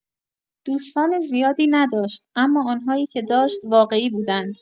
دوستان زیادی نداشت، اما آن‌هایی که داشت، واقعی بودند.